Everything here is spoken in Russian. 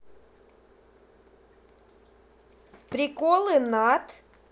приколы над